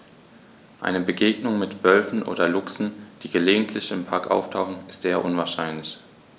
Eine Begegnung mit Wölfen oder Luchsen, die gelegentlich im Park auftauchen, ist eher unwahrscheinlich.